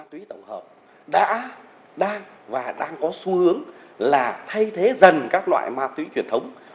ma túy tổng hợp đã đang và đang có xu hướng là thay thế dần các loại ma túy truyền thống